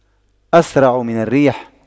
أسرع من الريح